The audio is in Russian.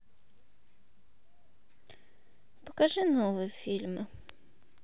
покажи новые фильмы